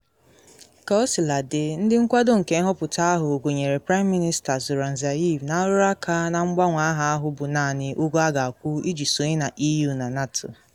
Kaosiladị, ndị nkwado nke nhọpụta ahụ, gụnyere Praịm Minista Zoran Zaev, na arụrụ aka na mgbanwe aha ahụ bụ naanị ụgwọ a ga-akwụ iji sonye na EU na NATO.